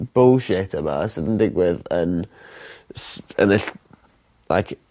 bullshit yma sydd yn digwydd yn s- yn y ll- like